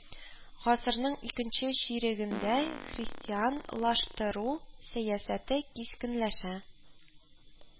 Гасырның икенче чирегендә христиан лаштыру сәясәте кискенләшә